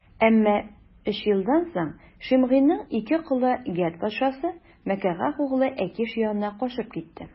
Әмма өч елдан соң Шимгыйның ике колы Гәт патшасы, Мәгакәһ углы Әкиш янына качып китте.